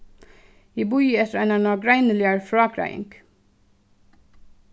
eg bíði eftir eini nágreiniligari frágreiðing